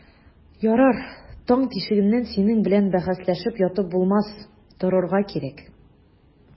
Ярар, таң тишегеннән синең белән бәхәсләшеп ятып булмас, торырга кирәк.